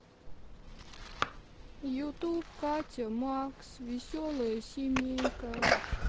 ютуб катя макс веселая семейка